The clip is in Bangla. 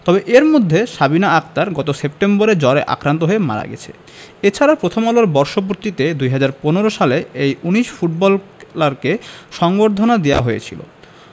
তবে এর মধ্যে সাবিনা আক্তার গত সেপ্টেম্বরে জ্বরে আক্রান্ত হয়ে মারা গেছে এ ছাড়া প্রথম আলোর বর্ষপূর্তিতে ২০১৫ সালে এই ১৯ ফুটবলারকে সংবর্ধনা দেওয়া হয়েছিল